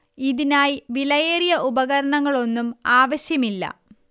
ഇതിനായി വിലയേറിയ ഉപകരണങ്ങളൊന്നും ആവശ്യമില്ല